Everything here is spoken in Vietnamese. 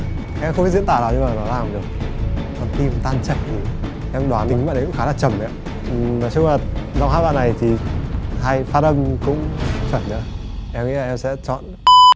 em không biết diễn tả nhưng mà nó làm kiểu con tim tan chảy ấy em đoán tính bạn ấy cũng khá là trầm đấy ạ nói chung là giọng hát bạn này thì hay phát âm cũng chuẩn nữa em nghĩ là em sẽ chọn